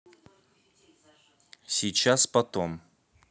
сейчас потом